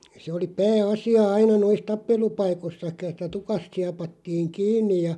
se oli pääasia aina noissa tappelupaikoissakin että tukasta siepattiin kiinni ja